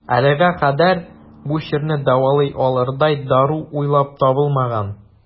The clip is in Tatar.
Әлегә кадәр бу чирне дәвалый алырдай дару уйлап табылмаган.